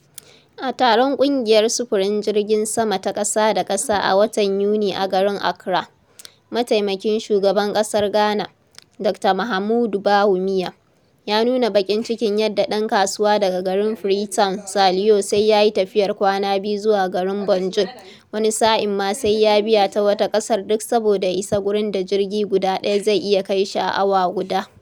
A taron ƙungiyar Sufurin Jirgin Sama ta ƙasa da ƙasa a watan Yuni a garin Accra, Mataimakin Shugaban ƙasar Gana, Dr, Mahamudu Bawumia, ya nuna baƙin cikin yadda "ɗan kasuwa daga garin Free Town [Saliyo] sai ya yi tafiyar kwana biyu zuwa garin Banjul (wani sa'in ma sai ya biya ta wata ƙasar) duk saboda ya isa gurin da jirgi guda ɗaya zai iya kai shi a awa guda".